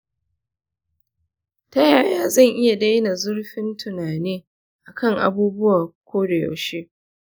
ta yaya zan iya daina zurfin tunani a kan abubuwa ko da yaushe?